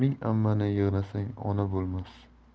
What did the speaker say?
ming ammani yig'nasang ona bo'lmas